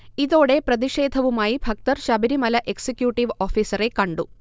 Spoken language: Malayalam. ഇതോടെ പ്രതിഷേധവുമായി ഭക്തർ ശബരിമല എക്സിക്യൂട്ടീവ് ഓഫീസറെ കണ്ടു